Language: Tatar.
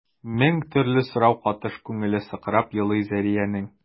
Мең төрле сорау катыш күңеле сыкрап елый Зәриянең.